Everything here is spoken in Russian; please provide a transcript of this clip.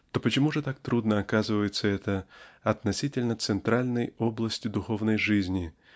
то почему же так трудно оказывается это относительно центральной области духовной жизни